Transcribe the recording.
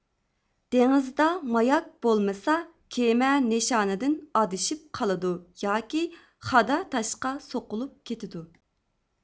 دېڭىزدا ماياك بولمىسا كېمە نىشاندىن ئادىشىپ قالىدۇ ياكى خادا تاشقا سوقۇلۇپ كېتىدۇ